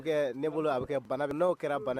N bolo bɛ bana n'o kɛra bana